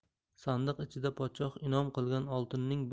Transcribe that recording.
sandiq ichida podshoh inom qilgan oltinning